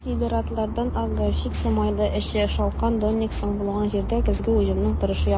Сидератлардан (ак горчица, майлы әче шалкан, донник) соң булган җирдә көзге уҗымның торышы яхшы.